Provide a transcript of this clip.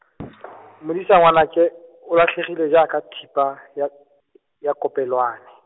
Modisa ngwanake, o latlhegile jaaka thipa, ya k-, ya kopelwane.